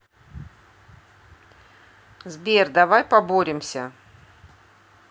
сбер давай поборемся